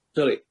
Sori.